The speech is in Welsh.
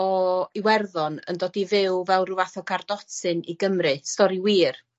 o Iwerddon yn dod i fyw fel rw fath o cardotyn i Gymru. Stori wir.